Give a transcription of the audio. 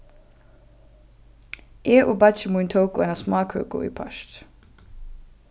eg og beiggi mín tóku eina smákøku í part